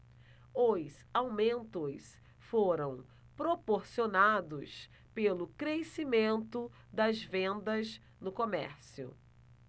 os aumentos foram proporcionados pelo crescimento das vendas no comércio